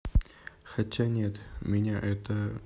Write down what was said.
хотя нет меня это